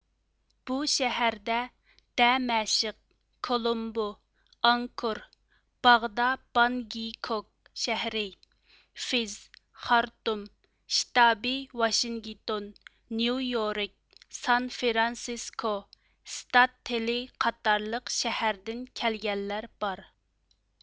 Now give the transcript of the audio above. بۇ شەھەردە دەمەشق كولومبو ئاڭكور باغدا بانگكوك شەھىرى فېز خارتۇم شتابى ۋاشىنگتون نيۇ يورك سان فرانسىسكو سېئاتتلې قاتارلىقلار قاتارلىق شەھەردىن كەلگەنلەر بار